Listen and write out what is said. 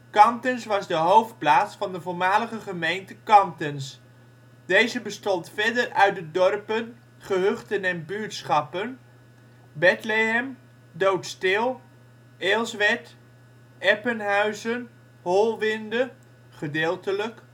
Kantens was de hoofdplaats van de voormalige gemeente Kantens. Deze bestond verder uit de dorpen, gehuchten en buurtschappen: Bethlehem, Doodstil, Eelswerd, Eppenhuizen, Holwinde (gedeeltelijk